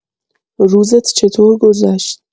روزت چطور گذشت؟